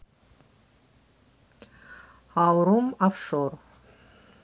aurum офшор